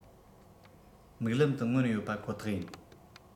མིག ལམ དུ མངོན ཡོད པ ཁོ ཐག ཡིན